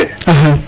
axa